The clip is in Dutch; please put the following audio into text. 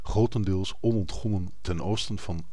grotendeels onontgonnen ten oosten van